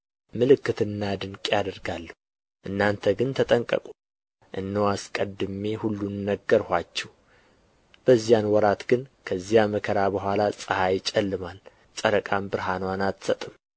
ምልክትና ድንቅ ያደርጋሉ እናንተ ግን ተጠንቀቁ እነሆ አስቀድሜ ሁሉን ነገርኋችሁ በዚያን ወራት ግን ከዚያ መከራ በኋላ ፀሐይ ይጨልማል ጨረቃም ብርሃንዋን አትሰጥም